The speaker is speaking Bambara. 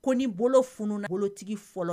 Ko ni bolo funtigi fɔlɔ